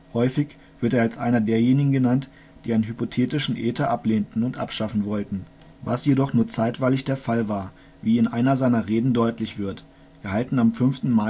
Häufig wird er als einer derjenigen genannt, die einen hypothetischen Äther ablehnten und abschaffen wollten, was jedoch nur zeitweilig der Fall war wie wie einer seiner Reden deutlich wird, gehalten am 5. MAI